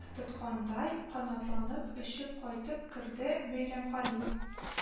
Тоткандай канатланып, очып кайтып керде бәйрәмгали